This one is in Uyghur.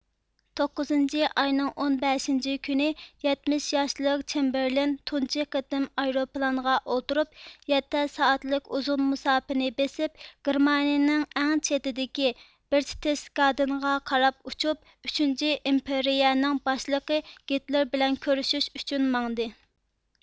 توققۇزىنچى ئاينىڭ ئون بەشىنچى كۈنى يەتمىش ياشلىق چېمبېرلېن تۇنجى قېتىم ئايروپىلانغا ئولتۇرۇپ يەتتە سائەتلىك ئۇزۇن مۇساپىنى بېسىپ گېرمانىيىنىڭ ئەڭ چېتىدىكى بېرچتېسگادېنغا قاراپ ئۇچۇپ ئۈچىنچى ئىمپېرىيە نىڭ باشلىقى گىتلېر بىلەن كۆرۈشۈش ئۈچۈن ماڭدى